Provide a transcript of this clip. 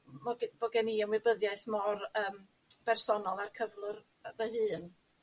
'mo' g- bo' gen i ymwybyddiaeth mor yym bersonol â'r cyflwr yy fy hun.